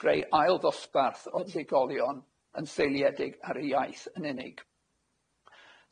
greu ail ddosbarth o ddigolion yn seiliedig ar eu iaith yn unig.